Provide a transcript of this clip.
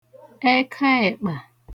ẹkaẹ̀kpà